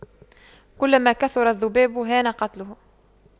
كلما كثر الذباب هان قتله